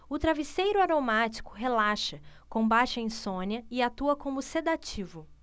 o travesseiro aromático relaxa combate a insônia e atua como sedativo